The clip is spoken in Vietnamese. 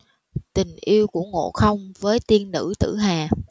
tình yêu của ngộ không với tiên nữ tử hà